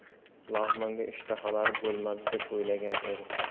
lag'monga ishtahalari bo'lmadi deb o'ylagan edi